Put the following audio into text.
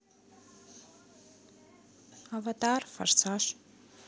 аватар форсаж